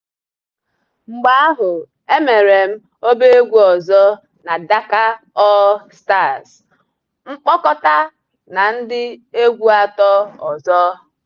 Mgbe ahụ, emere m ọbaegwu ọzọ na Dakar All Stars, mkpokọta na ndị egwu 3 ọzọ.